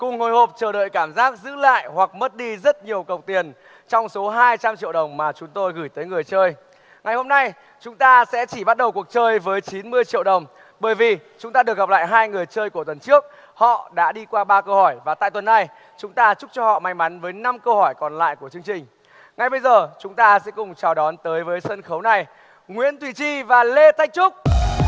cùng hồi hộp chờ đợi cảm giác giữ lại hoặc mất đi rất nhiều cọc tiền trong số hai trăm triệu đồng mà chúng tôi gửi tới người chơi ngày hôm nay chúng ta sẽ chỉ bắt đầu cuộc chơi với chín mươi triệu đồng bởi vì chúng ta được gặp lại hai người chơi của tuần trước họ đã đi qua ba câu hỏi và tại tuần này chúng ta chúc cho họ may mắn với năm câu hỏi còn lại của chương trình ngay bây giờ chúng ta sẽ cùng chào đón tới với sân khấu này nguyễn thùy chi và lê thanh trúc